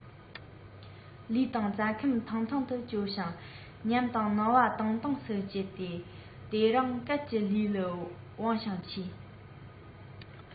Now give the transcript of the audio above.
ལུས དང རྩ ཁམས ཐང ཐང དུ རྐྱོང ཞིང ཉམས དང སྣང བ དྭངས དྭངས སུ བསྐྱེད དེ དེ རང སྐལ གྱི ལས ལ འབུངས ཤིང མཆིས